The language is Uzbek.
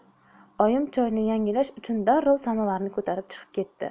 oyim choyni yangilash uchun darrov samovarni ko'tarib chiqib ketdi